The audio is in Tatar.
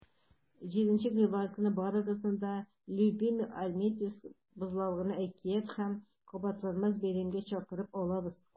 7 гыйнвар көнне барыгызны да "любимыйальметьевск" бозлавыгына әкияти һәм кабатланмас бәйрәмгә чакырып калабыз!